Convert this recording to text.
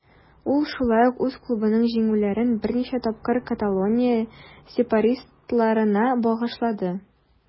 Ул шулай ук үз клубының җиңүләрен берничә тапкыр Каталония сепаратистларына багышлады.